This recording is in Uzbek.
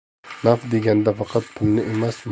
naf deganda faqat pulni emas